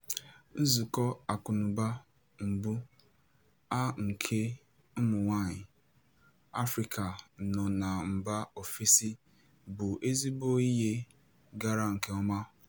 Nzukọ Akụnụba mbụ a nke ụmụ nwaanyị Afrịka nọ na mba ofesi bụ ezigbo ihe gara nkeọma.